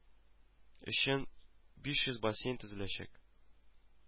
Өчен биш йөз бассейн төзеләчәк